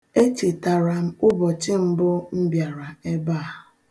Echetara m ụbọchị mbụ m bịara ebe a.